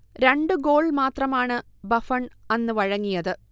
രണ്ട് ഗോൾ മാത്രമാണ് ബഫൺ അന്ന് വഴങ്ങിയത്